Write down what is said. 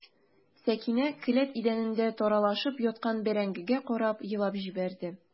Сәкинә келәт идәнендә таралышып яткан бәрәңгегә карап елап җибәрде.